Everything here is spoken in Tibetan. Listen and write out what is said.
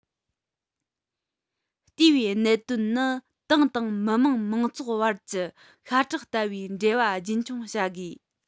ལྟེ བའི གནད དོན ནི ཏང དང མི དམངས མང ཚོགས བར གྱི ཤ ཁྲག ལྟ བུའི འབྲེལ བ རྒྱུན འཁྱོངས བྱ དགོས